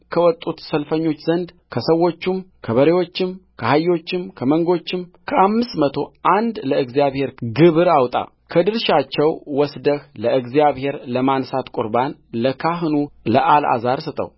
ከወጡት ሰልፈኞች ዘንድ ከሰዎችም ከበሬዎችም ከአህዮችም ከመንጎችም ከአምስት መቶ አንድ ለእግዚአብሔር ግብር አውጣከድርሻቸው ወስደህ ለእግዚአብሔር ለማንሣት ቍርባን ለካህኑ ለአልዓዛር ስጠው